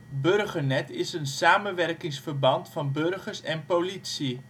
Burgernet is een samenwerkingsverband van burgers en politie